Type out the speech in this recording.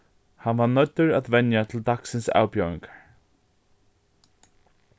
hann var noyddur at venja til dagsins avbjóðingar